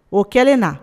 O kɛlen na